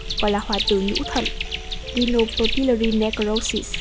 gọi là hoại tử nhũ thận